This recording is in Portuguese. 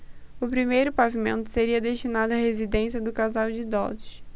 o primeiro pavimento seria destinado à residência do casal de idosos